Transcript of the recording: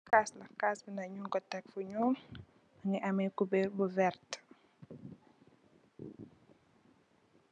Cass la cass la nyun ko tek fu nuul mongi amex cuber bu vertax.